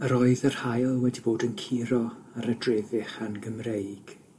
Yr oedd yr haul wedi bod yn curo ar y dref fechan Gymreig